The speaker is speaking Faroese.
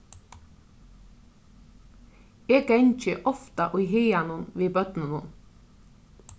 eg gangi ofta í haganum við børnunum